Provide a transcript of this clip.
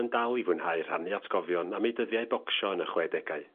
...yn dal i fwynhau rhannu atgofion am eu dyddiau bocsio yn y chwedegau.